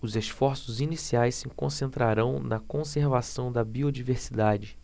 os esforços iniciais se concentrarão na conservação da biodiversidade